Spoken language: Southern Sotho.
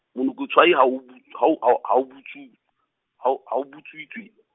monokotshwai ha o bu-, ha o ha o ha o butsu-, ha o ha o butswitse.